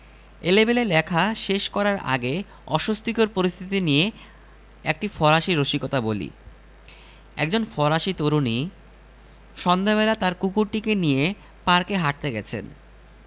এলেবেলে লেখা শেষ করার আগে অস্বস্তিকর পরিস্থিতি নিয়ে একটি ফরাসি রসিকতা বলি একজন ফরাসি তরুণী সন্ধ্যাবেলা তার কুকুরটিকে নিয়ে পার্কে হাঁটতে গেছেন